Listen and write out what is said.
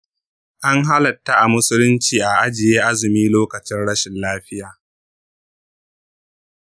an halatta a musulunci a ajiye azumi lokacin rashin lafiya.